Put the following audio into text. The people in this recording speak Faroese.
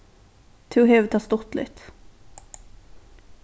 tú hevur tað stuttligt